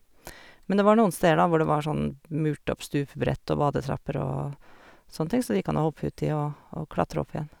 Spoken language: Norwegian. Men det var noen steder, da, hvor det var sånn murt opp stupebrett og badetrapper og sånne ting, så det gikk an å hoppe uti og og klatre opp igjen.